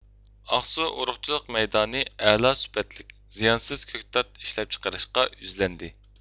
ئاقسۇ ئۇرۇقچىلىق مەيدانى ئەلا سۈپەتلىك زىيانسىز كۆكتات ئىشلەپچىقىرىشقا يۈزلەندى